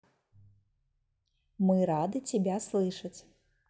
мы рады тебя слышать